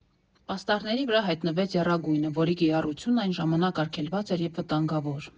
Պաստառների վրա հայտնվեց եռագույնը, որի կիրառությունն այն ժամանակ արգելված էր և վտանգավոր։